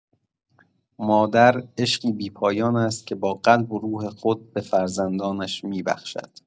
مادر عشقی بی‌پایان است که با قلب و روح خود به فرزندانش می‌بخشد.